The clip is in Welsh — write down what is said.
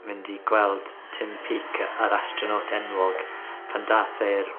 ...mynd i gweld Tim Peak yr astronaut enwog pan da'th e'r...